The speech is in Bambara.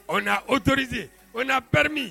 O na otoze o na bɛri min